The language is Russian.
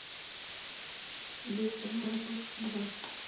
без тормозов два